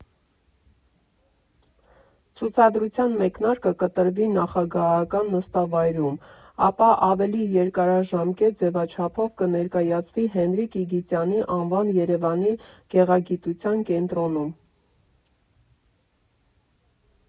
Ցուցադրության մեկնարկը կտրվի նախագահական նստավայրում, ապա ավելի երկարաժամկետ ձևաչափով կներկայացվի Հենրիկ Իգիթյանի անվան Երևանի գեղագիտության կենտրոնում։